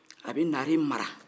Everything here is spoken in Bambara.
a bɛ naare mara